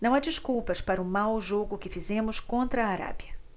não há desculpas para o mau jogo que fizemos contra a arábia